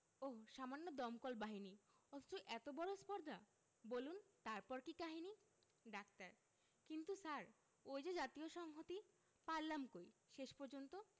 ওহ্ সামান্য দমকল বাহিনী অথচ এত বড় স্পর্ধা বুলন তারপর কি কাহিনী ডাক্তার কিন্তু স্যার ওই যে জাতীয় সংহতি পারলাম কই শেষ পর্যন্ত